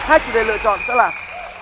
hai chủ đề lựa chọn sẽ là